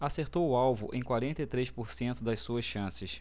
acertou o alvo em quarenta e três por cento das suas chances